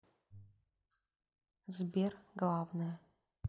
сбер главная